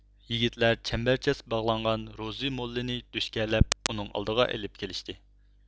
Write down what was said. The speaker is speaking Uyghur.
يىگىتلەر چەمبەرچاس باغلانغان روزى موللىنى دۆشكەلەپ ئۇنىڭ ئالدىغا ئېلىپ كېلىشتى